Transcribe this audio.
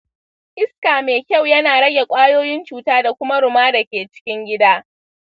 iska mai kyau yana rage kwayoyin cuta da kuma ruma dake cikin gida.